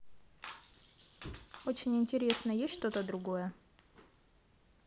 очень интересно есть что то другое